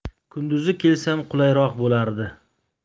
kunduzi kelsam qulayroq bo'lardi